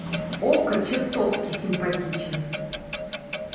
okko чертовски симпатичен